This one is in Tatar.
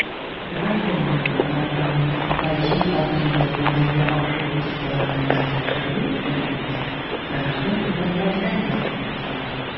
Гражданнарга карата муниципаль җир контролен гамәлгә ашыру кысаларында тикшерү үткәргәндә граждан түбәндәгеләргә хокуклы.